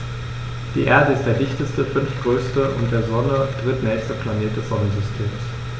Die Erde ist der dichteste, fünftgrößte und der Sonne drittnächste Planet des Sonnensystems.